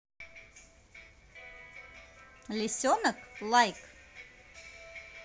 лисенок лайк